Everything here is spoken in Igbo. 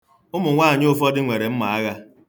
Ụmụnwaanyị ụfọdụ nwere mmaagha.